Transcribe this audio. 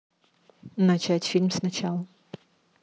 начать фильм сначала